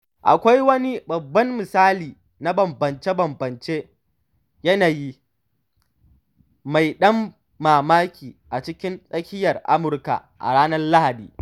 Akwai wani babban misali na bambance-bambancen yanayi mai ban mamaki ta cikin tsakiyar Amurka a ranar Lahadi.